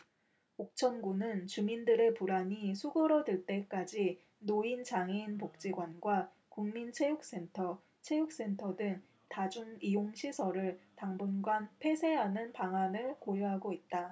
옥천군은 주민들의 불안이 수그러들 때까지 노인장애인복지관과 국민체육센터 체육센터 등 다중 이용시설을 당분간 폐쇄하는 방안을 고려하고 있다